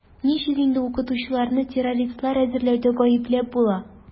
Ничек инде укытучыларны террористлар әзерләүдә гаепләп була?